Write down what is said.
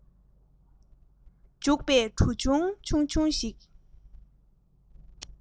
འཇུག པའི གྲུ ག ཆུང ཆུང ཞིག